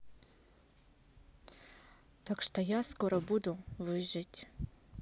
так что я скоро буду выжить